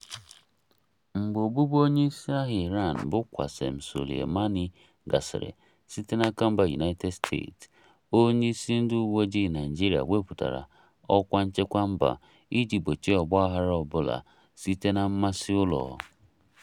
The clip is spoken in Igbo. Mgbe ogbugbu onye isi agha Iran bụ Qasem Soleimani gasịrị, site n'aka mba United States, onye isi ndị uweojii Naịjirịa wepụtara ọkwa nchekwa mba iji gbochie ọgba aghara ọ bụla site na "mmasị ụlọ".